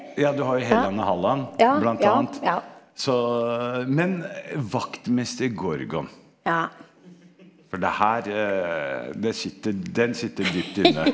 ja du har jo Helland og Halvan blant annet, så men vaktmester Gorgon for det her det sitter den sitter dypt inne.